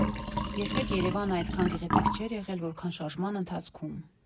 Երբեք Երևանը այդքան գեղեցիկ չէր եղել, որքան շարժման ընթացքում։